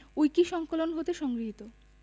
উইকিসংকলন হতে সংগৃহীত